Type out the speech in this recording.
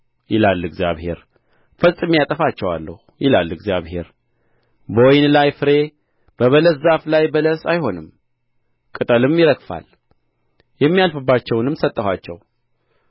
ይላል እግዚአብሔር ፈጽሜ አጠፋችኋለሁ ይላል እግዚአብሔር በወይን ላይ ፍሬ በበለስ ዛፍ ላይ በለስ አይሆንም ቅጠልም ይረግፋል የሚያልፉባቸውንም ሰጠኋቸው